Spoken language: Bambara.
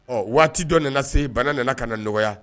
Ɔ waati dɔ nana na se bana nana ka na nɔgɔya